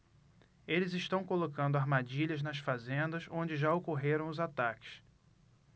eles estão colocando armadilhas nas fazendas onde já ocorreram os ataques